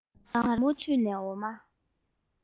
ང རང མུ མཐུད ནས འོ མ